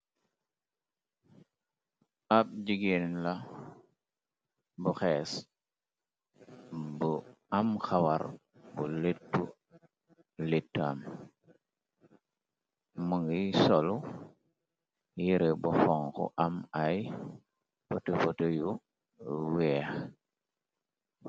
Ab jigéen la bu xees bu am xawar bu lettu litaam mu ngiy solu yere bu fonku am ay fotofote yu weex.